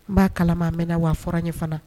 N b'a kalaman mɛn wafuran n ye fana